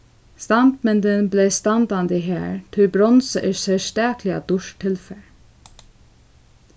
standmyndin bleiv standandi har tí bronsa er serstakliga dýrt tilfar